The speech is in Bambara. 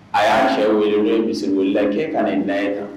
A y'a fɛ wele bɛla kɛ ka na da kan